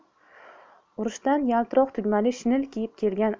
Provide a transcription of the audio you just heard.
urushdan yaltiroq tugmali shinel kiyib kelgan